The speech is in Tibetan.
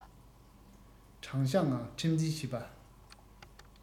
དྲང གཞག ངང ཁྲིམས འཛིན བྱེད པ